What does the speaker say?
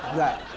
dạ